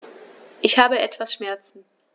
Ich habe etwas Schmerzen.